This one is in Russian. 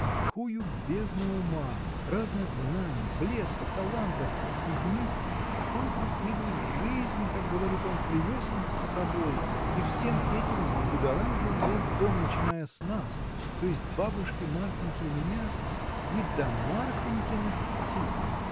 Какую бездну ума, разных знаний, блеска, талантов и вместе шума, или “жизни”, как говорит он, привез он с собой и всем этим взбудоражил весь дом, начиная с нас, то есть бабушки, Марфиньки, меня — и до Марфинькиных птиц!